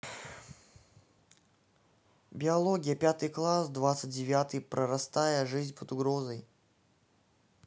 биология пятый класс двадцать девятый прорастая жизнь под угрозой